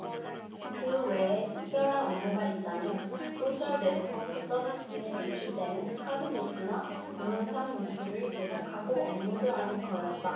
그 외에 특별한 업무가 있다면 소셜네트워크서비스에 노출되는 카드뉴스나 동영상뉴스를 제작하고 업로드하는 거였다